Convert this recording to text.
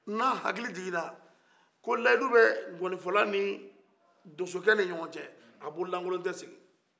ko ni a hakili jigina ko layidu bɛ ŋonifɔla ni donsokɛ ni ɲɔgɔn cɛ a bolo langolon tɛ segi